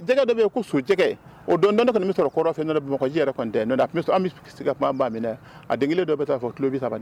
O don bɛ bamakɔ yɛrɛ ka minɛ a kelen dɔ bɛlo